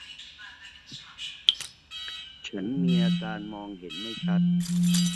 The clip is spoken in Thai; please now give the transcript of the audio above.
ฉันมีอาการมองเห็นไม่ชัด